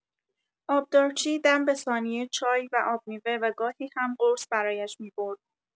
آبدارچی دم به ثانیه چای و آب‌میوه و گاهی هم قرص برایش می‌برد.